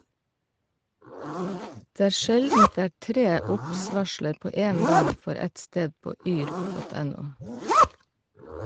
Det er sjeldent det er tre obs-varsler på én gang for ett sted på yr .no.